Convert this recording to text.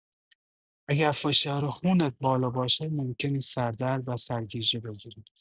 اگر فشارخونت بالا باشه، ممکنه سردرد و سرگیجه بگیری.